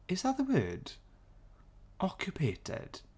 Is that the word? Occupated.